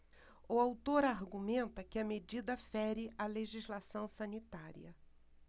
o autor argumenta que a medida fere a legislação sanitária